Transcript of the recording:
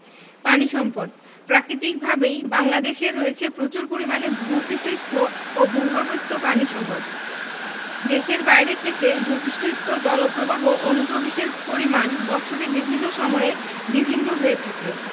পানি সম্পদঃ প্রাকৃতিকভাবেই বাংলাদেশের রয়েছে প্রচুর পরিমাণে ভূ পৃষ্ঠস্থ ও ভূগর্ভস্থ পানি সম্পদ দেশের বাইরে থেকে ভূ পৃষ্ঠস্থ জলপ্রবাহ অনুপ্রবেশের পরিমাণ বৎসরের বিভিন্ন সময়ে বিভিন্ন হয়ে থাকে